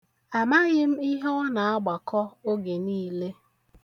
Amaghị m ihe ọ na-agbakọ oge niile.